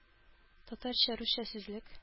Татарча-русча сүзлек